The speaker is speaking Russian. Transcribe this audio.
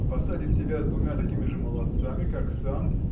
Посадит тебя с двумя такими же молодцами как сам